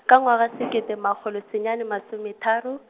ka ngwaga sekete makgolo senyane masome tharo.